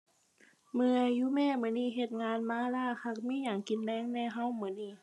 เมื่อยอยู่แม่ มื้อนี้เฮ็ดงานมาล้าคัก มีหยังกินแลงแหน่เรามื้อนี้